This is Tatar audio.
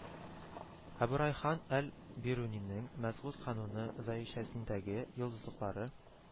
Әбүрәйхан әл-Бирунинең «Мәсгуд кануны» зайичәсендәге йолдызлыклары